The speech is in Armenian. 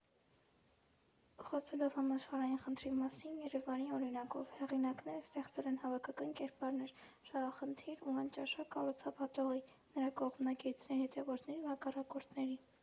Խոսելով համաշխարհային խնդրի մասին Երևանի օրինակով՝ հեղինակները ստեղծել են հավաքական կերպարներ՝ շահախնդիր ու անճաշակ կառուցապատողի, նրա կողմնակիցների, հետևորդների ու հակառակորդների։